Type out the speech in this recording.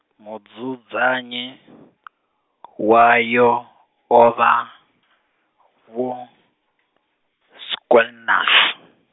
mudzudzanyi, wayo, o vha, Vho Schwellnus.